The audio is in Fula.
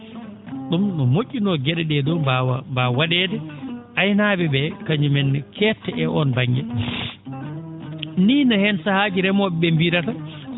?um no mo??unoo ge?e ?ee?oo mbaawa wa?eede aynaa?e ?ee kañum en ne keedta e oon ba?nge nii na heen sahaaji remoo?e ?ee mbiirata